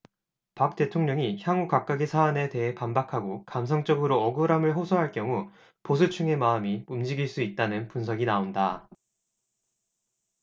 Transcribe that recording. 박 대통령이 향후 각각의 사안에 대해 반박하고 감성적으로 억울함을 호소할 경우 보수층의 마음이 움직일 수도 있다는 분석이 나온다